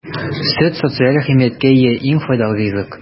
Сөт - социаль әһәмияткә ия иң файдалы ризык.